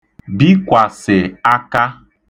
bikwàsị̀ aka